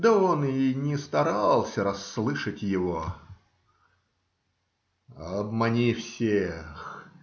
Да он и не старался расслышать его. - Обмани всех.